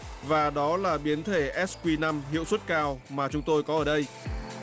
và đó là biến thể ét quy năm hiệu suất cao mà chúng tôi có ở đây